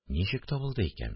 – ничек табылды икән